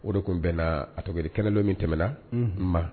O de tun bɛnna , a tɔgɔ ye di, don min tɛmɛna, unhun, ma.